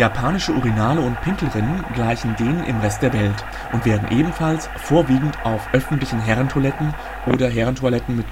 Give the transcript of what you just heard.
Japanische Urinale und Pinkelrinnen gleichen denen im Rest der Welt und werden ebenfalls vorwiegend auf öffentlichen Herrentoiletten oder Herrentoiletten